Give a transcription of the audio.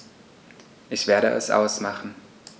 Ich werde es ausmachen